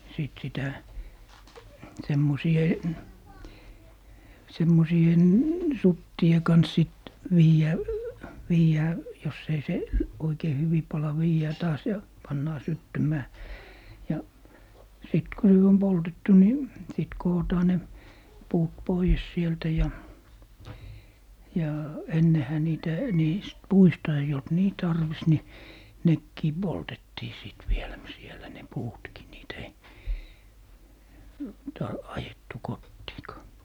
sitten sitä semmoisten suttien kanssa sitten - viedään jos ei - oikein hyvin pala viedään taas ja pannaan syttymään ja sitten kun nyt on poltettu niin sitten kootaan ne puut pois sieltä ja ja ennenhän niitä niistä puista ei ollut niin tarvis niin nekin poltettiin sitten vielä - siellä ne puutkin niitä ei - ajettu kotiinkaan